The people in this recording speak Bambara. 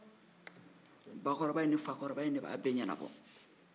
bakɔrɔba in ni fakɔrɔba in de b'a ɲɛnabɔ